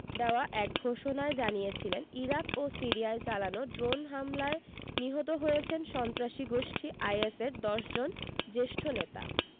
দেওয়া এক ঘোষণায় জানিয়েছিলেন ইরাক ও সিরিয়ায় চালানো ড্রোন হামলায় নিহত হয়েছেন সন্ত্রাসী গোষ্ঠী আইএসের ১০ জন জ্যেষ্ঠ নেতা